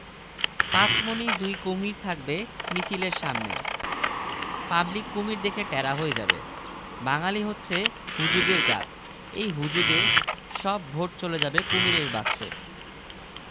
পাঁচমণি দুই কুমীর থাকবে মিছিলের সামনে পাবলিক কুমীর দেখে ট্যারা হয়ে যাবে বাঙ্গালী হচ্ছে হুজুগের জাত এই হুজুগে সব ভােট চলে যাবে কুমীরের বাক্সে